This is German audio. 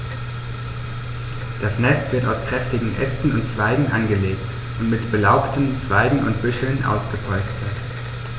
Das Nest wird aus kräftigen Ästen und Zweigen angelegt und mit belaubten Zweigen und Büscheln ausgepolstert.